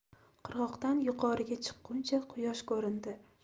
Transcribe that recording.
qirg'oqdan yuqoriga chiqquncha quyosh ko'rindi